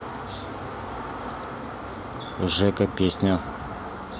жека песня